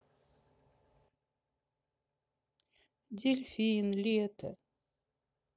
дельфин лето